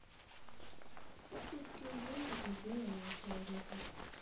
шутки из лунтика сделанные человеком